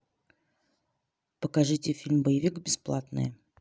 покажите фильм боевик бесплатные